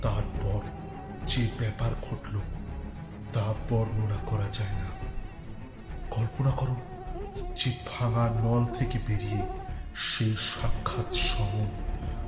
তারপর যে ব্যাপার ঘটল তা বর্ণনা করা যায় না কল্পনা কর যে ভাঙা নল থেকে বেরিয়ে সে সাক্ষাত সমন